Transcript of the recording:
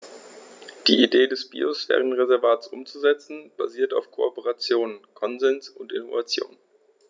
Die Idee des Biosphärenreservates umzusetzen, basiert auf Kooperation, Konsens und Innovation.